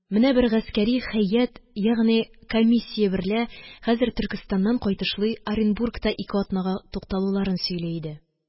Менә бер гаскәри һәйәт ягъни комиссия берлә хәзер төркстаннан кайтышлый оренбургта ике атнага туктауларын сөйли иде.